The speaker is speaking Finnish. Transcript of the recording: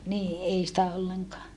niin ei sitä ollenkaan